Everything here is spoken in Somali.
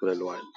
daadi ah